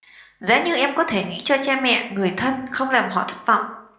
giá như em có thể nghĩ cho cha mẹ người thân không làm họ thất vọng